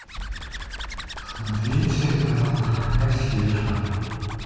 смотреть сериал кассирша